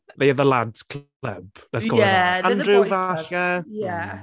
They are the lads' club that's going on... Ie. They're the boys' club... Andrew falle ond... Ie.